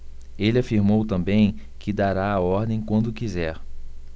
ele afirmou também que dará a ordem quando quiser